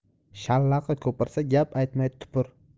shallaqi ko'pirsa gap aytmay tupur